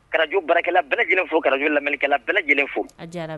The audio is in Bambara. Radio baarakɛlan bɛɛ lajɛlen fo ka radio lamɛnkɛlan bɛɛ lajɛlen fo.